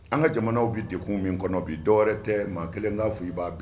An ka jamanaw bɛ dek kun min kɔnɔ u bi dɔwɛrɛ tɛ maa kelen n'a fɔ i b'a